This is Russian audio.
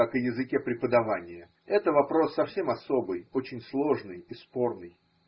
как о языке преподавания: это вопрос совсем особый, очень сложный и спорный.